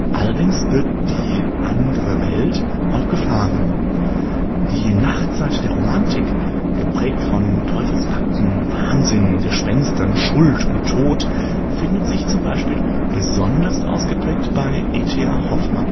Allerdings birgt die „ andere Welt “auch Gefahren. Diese Nachtseite der Romantik, geprägt von Teufelspakten, Wahnsinn, Gespenstern, Schuld und Tod, findet sich z. B. besonders ausgeprägt bei E. T. A. Hoffmann